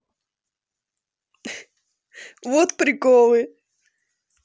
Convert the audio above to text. вот приколы